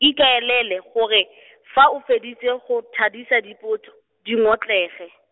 ikaelele gore , fa o feditse go thadisa dipotso, di ngotlege.